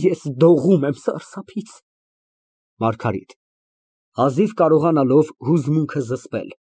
Ես դողում եմ սարսափից։ ՄԱՐԳԱՐԻՏ ֊ (Հազիվ կարողանալով հուզմունքը զսպել)։